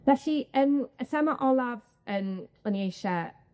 Felly, yym y thema olaf yn o'n i eisie